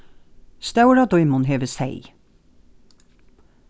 stóra dímun hevur seyð